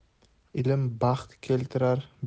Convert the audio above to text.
ilm baxt keltirar